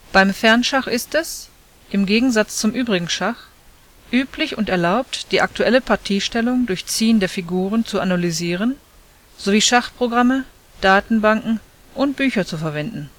Beim Fernschach ist es – im Gegensatz zum übrigen Schach – üblich und erlaubt, die aktuelle Partiestellung durch Ziehen der Figuren zu analysieren sowie Schachprogramme, Datenbanken und Bücher zu verwenden